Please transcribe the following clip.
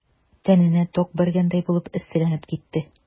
Тәненә ток бәргәндәй булып эсселәнеп китте.